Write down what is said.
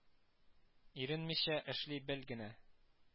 Иренмичә эшли бел генә